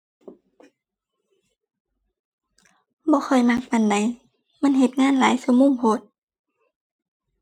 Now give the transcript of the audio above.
บ่ค่อยมักปานใด มันเฮ็ดงานหลายชั่วโมงโพด